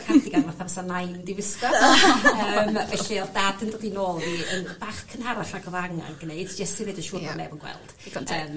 ...cardigan fatha bysa Nain 'di wisg. Yym elly o'dd Dad yn dod i nôl fi yn bach cynharach nag o'dd angan gneud jyst i neud yn siŵr bod neb yn gweld. Digon teg. Yym